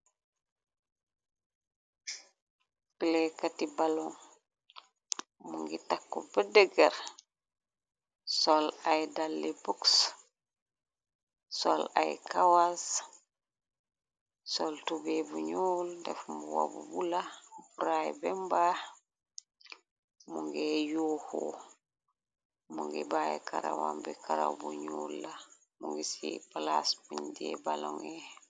Peley kati baloŋ mu ngi tàkku be degër sol ay dalli boks sol ay kawas sol tubee bu nuul def mu wab bu la pry bembaax mu ngi yuuxu mu ngi baayi karawan bi karaw bu ñuul la mu ngi ci palaas bindee baloŋe nye.